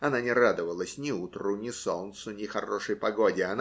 Она не радовалась ни утру, ни солнцу, ни хорошей погоде